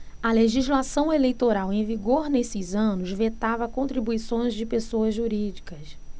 a legislação eleitoral em vigor nesses anos vetava contribuições de pessoas jurídicas